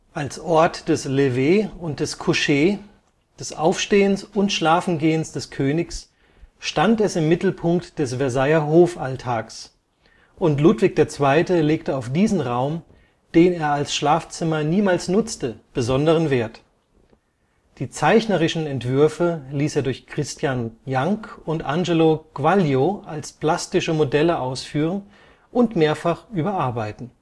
Als Ort des Lever und des Coucher, des Aufstehens und Schlafengehens des Königs, stand es im Mittelpunkt des Versailler Hofalltags, und Ludwig II. legte auf diesen Raum, den er als Schlafzimmer niemals nutzte, besonderen Wert. Die zeichnerischen Entwürfe ließ er durch Christian Jank und Angelo Quaglio als plastische Modelle ausführen und mehrfach überarbeiten